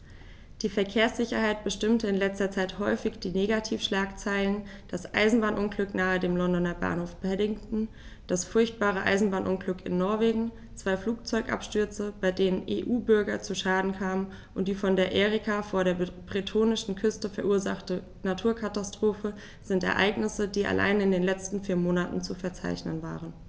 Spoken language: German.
Die Verkehrssicherheit bestimmte in letzter Zeit häufig die Negativschlagzeilen: Das Eisenbahnunglück nahe dem Londoner Bahnhof Paddington, das furchtbare Eisenbahnunglück in Norwegen, zwei Flugzeugabstürze, bei denen EU-Bürger zu Schaden kamen, und die von der Erika vor der bretonischen Küste verursachte Naturkatastrophe sind Ereignisse, die allein in den letzten vier Monaten zu verzeichnen waren.